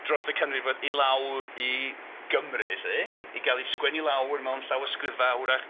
Dros y canrifoedd i lawr i Gymru 'lly... m-hm. ...i gael eu sgwennu lawr mewn llawysgrifau hwyrach.